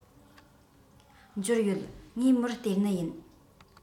འབྱོར ཡོད ངས མོར སྟེར ནི ཡིན